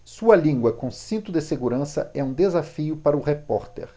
sua língua com cinto de segurança é um desafio para o repórter